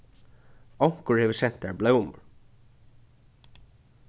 onkur hevur sent tær blómur